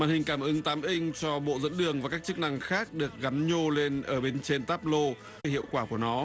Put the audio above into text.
màn hình cảm ứng tám inh cho bộ dẫn đường và các chức năng khác được gắn nhô lên ở bên trên táp lô hiệu quả của nó